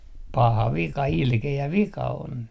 paha vika ilkeä vika on